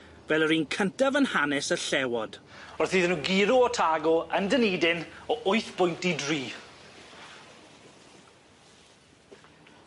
fel yr un cyntaf yn hanes y Llewod wrth iddyn nw guro Otago yn Dunedin o wyth bwynt i dri.